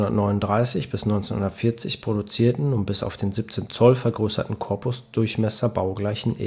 1939 bis 1940 produzierten und bis auf den auf 17 Zoll vergrößerten Korpusdurchmesser baugleichen